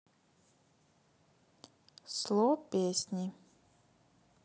сло песни